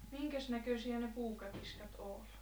minkäs näköisiä ne puukatiskat oli